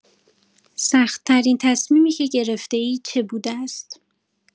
سخت‌ترین تصمیمی که گرفته‌ای چه بوده است؟